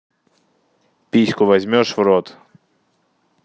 письку возьмешь в рот